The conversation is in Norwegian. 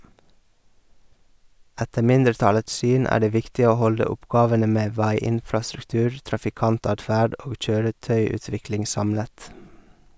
Etter mindretallets syn er det viktig å holde oppgavene med veiinfrastruktur, trafikantadferd og kjøretøyutvikling samlet.